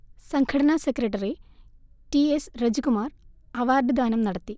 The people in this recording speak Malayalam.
സംഘടനാ സെക്രട്ടറി ടി എസ് റജികുമാർ അവാർഡ്ദാനം നടത്തി